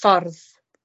ffordd